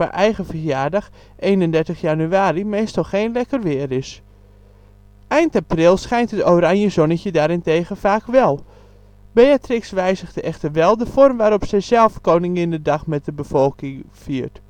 eigen verjaardag (31 januari) meestal geen lekker weer is. Eind april schijnt het oranjezonnetje daarentegen vaak wel. Beatrix wijzigde echter wel de vorm waarop zij zelf koninginnedag met de bevolking viert